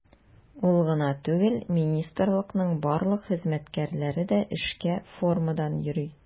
Ул гына түгел, министрлыкның барлык хезмәткәрләре дә эшкә формадан йөри.